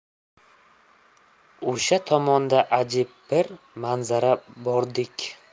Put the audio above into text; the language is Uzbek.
o'sha tomonda ajib bir manzara bordek